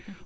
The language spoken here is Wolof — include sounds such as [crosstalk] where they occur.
[hesitation]